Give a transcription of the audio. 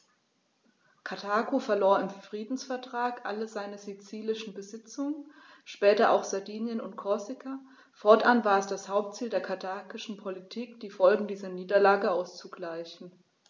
Karthago verlor im Friedensvertrag alle seine sizilischen Besitzungen (später auch Sardinien und Korsika); fortan war es das Hauptziel der karthagischen Politik, die Folgen dieser Niederlage auszugleichen.